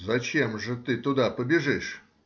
— Зачем же ты туда побежишь?